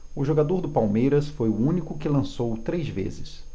o jogador do palmeiras foi o único que lançou três vezes